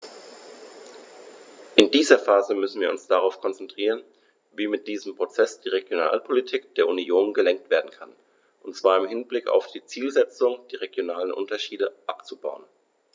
In dieser Phase müssen wir uns darauf konzentrieren, wie mit diesem Prozess die Regionalpolitik der Union gelenkt werden kann, und zwar im Hinblick auf die Zielsetzung, die regionalen Unterschiede abzubauen.